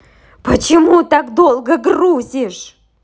почему долго грузишь